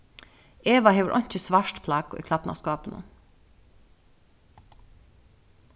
eva hevur einki svart plagg í klædnaskápinum